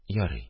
– ярый